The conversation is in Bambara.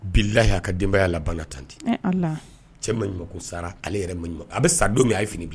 Bilaya a ka denbayaya la bana tante ala cɛ manɲ ɲuman ko sara ale yɛrɛ manɲ ɲuman a bɛ sa don min y' fini bila